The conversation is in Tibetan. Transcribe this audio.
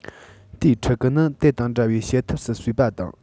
དེའི ཕྲུ གུ ནི དེ དང འདྲ བའི བྱེད ཐབས སུ གསོས པ དང